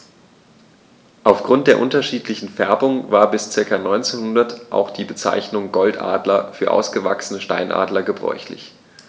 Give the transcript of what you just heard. Auf Grund der unterschiedlichen Färbung war bis ca. 1900 auch die Bezeichnung Goldadler für ausgewachsene Steinadler gebräuchlich.